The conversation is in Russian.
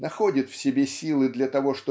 находит в себе силы для того